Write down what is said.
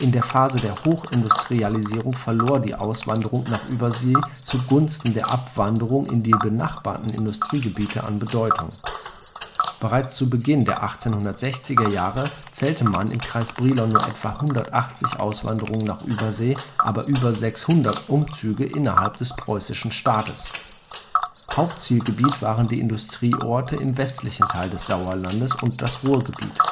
der Phase der Hochindustrialisierung verlor die Auswanderung nach Übersee zu Gunsten der Abwanderung in die benachbarten Industriegebiete an Bedeutung. Bereits zu Beginn der 1860er Jahre zählte man im Kreis Brilon nur etwa 180 Auswanderungen nach Übersee, aber über 600 Umzüge innerhalb des preußischen Staates. Hauptzielgebiete waren die Industrieorte im westlichen Teil des Sauerlandes und das Ruhrgebiet